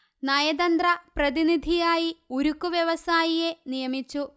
നയതന്ത്ര പ്രതിനിധിയായി ഉരുക്കു വ്യവസായിയെ നിയമിച്ചു